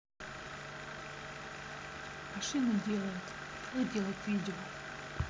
машины делают как делать видео